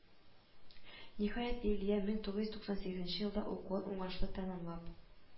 Ниһаять, Лилиям мең тугыз йөз туксан сигезенче елда укуын уңышлы тәмамлап